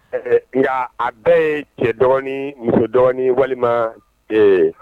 Ɛɛ nka a bɛɛ ye cɛ musodɔ walima ee